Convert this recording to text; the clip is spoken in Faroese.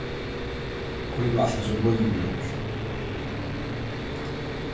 hví ert tú altíð so blíður við øll